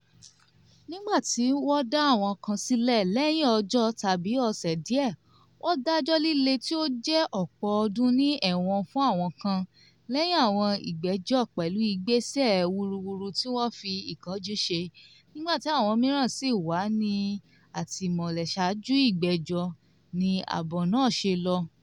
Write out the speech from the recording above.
"Nígbà tí wọ́n dá àwọn kan sílẹ̀ lẹ́yìn ọjọ́ tàbí ọ̀sẹ̀ díẹ̀, wọ́n dájọ́ líle tí ó jẹ́ ọ̀pọ̀ ọdún ní ẹ̀wọ̀n fún àwọn kan lẹ́yìn àwọn ìgbẹ́jọ́ pẹ̀lú ìgbésẹ̀ wúrúwúrú tí wọ́n fi ìkánjú ṣe, nígbà tí àwọn mìíràn sì wà ní àtìmọ́lé ṣáájú ìgbẹ́jọ́," ni àbọ̀ náà ṣe lọ.